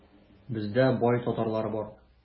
Бездә бай татарлар бар.